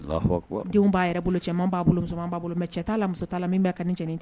Denw'a yɛrɛ bolo cɛ b'a bolo b' bolo cɛ' la musola min kɔni